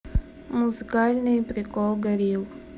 музыкальный прикол горилл